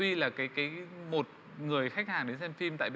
tuy là cái cái một người khách hàng đến xem phim tại